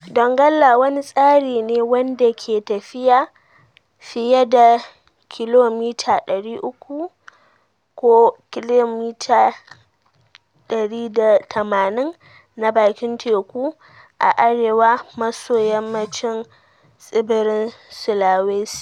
Donggala wani tsari ne wanda ke tafiya fiye da kilomita 300 (kilomita 180) na bakin teku a arewa maso yammacin tsibirin Sulawesi.